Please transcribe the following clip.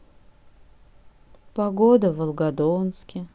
погода в волгодонске